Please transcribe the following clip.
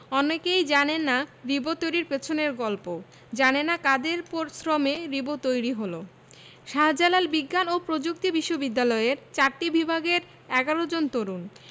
অনেকেই জানেন না রিবো তৈরির পেছনের গল্প জানে না কাদের শ্রমে রিবো তৈরি হলো শাহজালাল বিজ্ঞান ও প্রযুক্তি বিশ্ববিদ্যালয়ের চারটি বিভাগের ১১ জন তরুণ